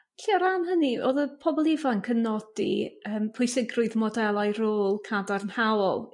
Lly o ran hynny odd y pobol ifanc yn nodi yym pwysigrwydd modelau rôl cadarnhaol